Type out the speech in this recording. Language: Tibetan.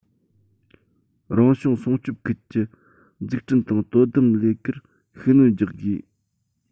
རང བྱུང སྲུང སྐྱོང ཁུལ གྱི འཛུགས སྐྲུན དང དོ དམ ལས ཀར ཤུགས སྣོན རྒྱག དགོས